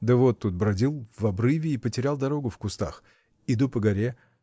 — Да вот тут бродил в обрыве и потерял дорогу в кустах. Иду по горе.